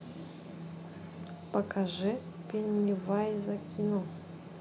покажи пеннивайза кино